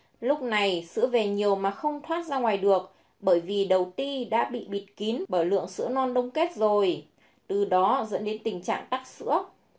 lúc này sữa về nhiều mà không thoát ra ngoài được bởi vì đầu ti đã bị bịt kín bởi lượng sữa non đông kết rồi từ đó dẫn đến tình trạng tắc sữa